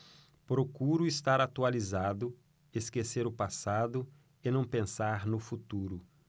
procuro estar atualizado esquecer o passado e não pensar no futuro